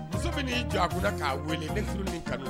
Muso min n'i jɔ a kun la k'a weele ne furu nin kanu